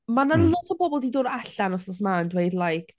Mae 'na lot o pobl 'di dod allan wythnos 'ma yn dweud like...